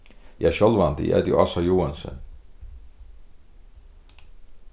ja sjálvandi eg eiti ása joensen